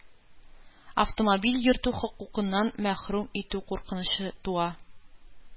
Автомобиль йөртү хокукыннан мәхрүм ителү куркынычы туа.